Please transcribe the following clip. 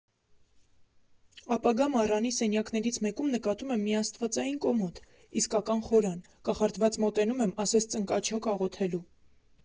Ապագա «Մառանի» սենյակներից մեկում նկատում եմ մի աստվածային կոմոդ, իսկական խորան, կախարդված մոտենում եմ ասես ծնկաչոք աղոթելու։